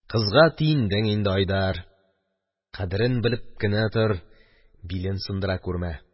Кызга тиендең инде, Айдар, кадерен белеп кенә тор, билен сындыра күрмә.